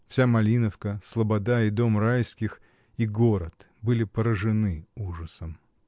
Вся Малиновка, слобода и дом Райских, и город были поражены ужасом.